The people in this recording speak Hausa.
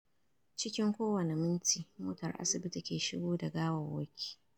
“Cikin kowane minti motar asibiti ke shigo da gawawaki.